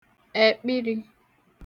ẹ̀kpịrị̄